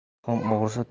tuxum o'g'risi tuya